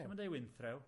Ti'm yn deu wynthrew?